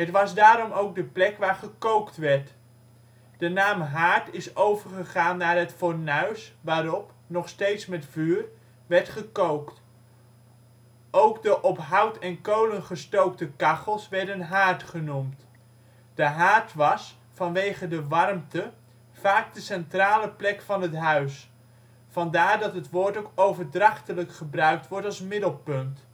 was daarom ook de plek waar gekookt werd. De naam haard is overgegaan naar het fornuis, waarop, nog steeds met vuur, werd gekookt. Ook de op hout en kolen gestookte kachels werden haard genoemd. De haard was, vanwege de warmte, vaak de centrale plek van het huis. Vandaar dat het woord ook overdrachtelijk gebruikt wordt als middelpunt